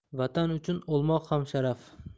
vatan uchun o'lmoq ham sharaf